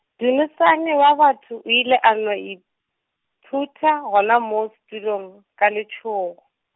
Dunusani wa batho o ile a no iphutha gona moo setulong, ka letšhogo.